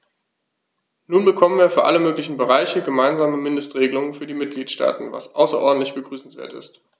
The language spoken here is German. Nun bekommen wir für alle möglichen Bereiche gemeinsame Mindestregelungen für die Mitgliedstaaten, was außerordentlich begrüßenswert ist.